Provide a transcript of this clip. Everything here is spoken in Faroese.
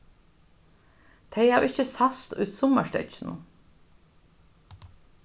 tey hava ikki sæst í summarsteðginum